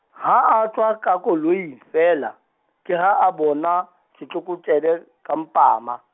ha a tswa ka koloing feela, ke ha a bona setlokotsebe, ka mpama.